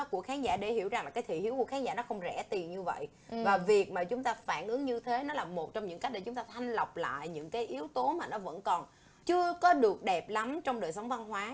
của khán giả để hiểu rằng cái thị hiếu của khán giả nó không rẻ tiền như vậy và việc mà chúng ta phản ứng như thế nó là một trong những cách để chúng ta thanh lọc lại những cái yếu tố mà nó vẫn còn chưa có được đẹp lắm trong đời sống văn hóa